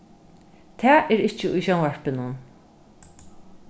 tað er ikki í sjónvarpinum